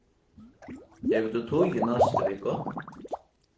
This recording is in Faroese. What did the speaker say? hevur tú tíð í næstu viku